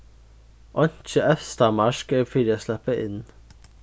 einki evstamark er fyri at sleppa inn